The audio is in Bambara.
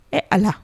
E Ala